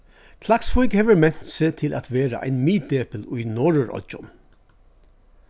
klaksvík hevur ment seg til at verða ein miðdepil í norðuroyggjum